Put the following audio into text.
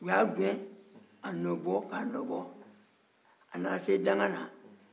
u y'a gɛn k'a nɔbɔ k'a nɔbɔ a nana se dankanda la